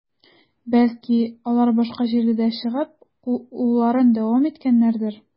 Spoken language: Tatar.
Бәлки, алар башка җирдә чыгып, кууларын дәвам иткәннәрдер?